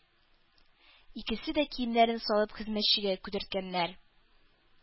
Икесе дә киемнәрен салып хезмәтчегә күтәрткәннәр.